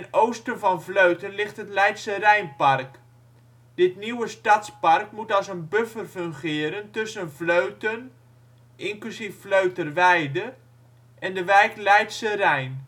oosten van Vleuten ligt het Leidsche Rijn Park. Dit nieuwe stadspark moet als een buffer fungeren tussen Vleuten, inclusief Vleuterweide, en de wijk Leidsche Rijn